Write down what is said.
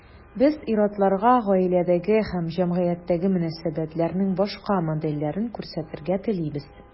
Без ир-атларга гаиләдәге һәм җәмгыятьтәге мөнәсәбәтләрнең башка модельләрен күрсәтергә телибез.